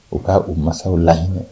U ka u masaw lahinɛ.